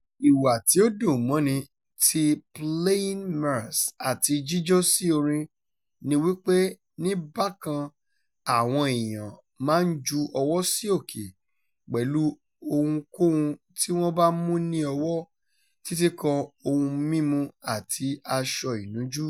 Ìwà tí ó dùn mọ́ni ti "playing mas'" àti jíjó sí orin ni wípé ní bákan, àwọn èèyàn máa ń ju ọwọ́ sí òkè, pẹ̀lú ohunkóhun tí wọ́n bá mú ní ọwọ́, títì kan ohun-mímu àti aṣọ inujú.